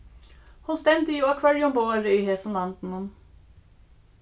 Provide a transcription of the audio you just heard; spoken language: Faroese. hon stendur jú á hvørjum borði í hesum landinum